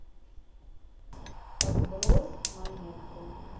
подбрось монетку